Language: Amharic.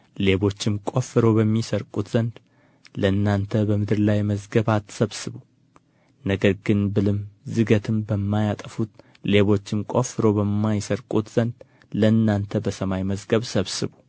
ሌቦችም ቆፍረው በሚሠርቁት ዘንድ ለእናንተ በምድር ላይ መዝገብ አትሰብስቡ ነገር ግን ብልም ዝገትም በማያጠፉት ሌቦችም ቆፍረው በማይሠርቁት ዘንድ ለእናንተ በሰማይ መዝገብ ሰብስቡ